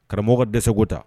Karamɔgɔ ka dɛsɛgo ta